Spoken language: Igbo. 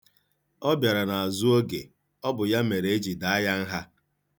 Ọ bịara n'azụ oge, ọ bụ ya mere e ji daa ya nha.